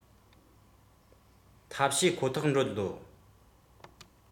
ཐབས ཤེས ཁོ ཐག འགྲོ འདོད